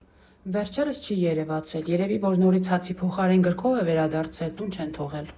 ֊ վերջերս չի երևացել, երևի, որ նորից հացի փոխարոն գրքով է վերադարձել, տուն չեն թողել»։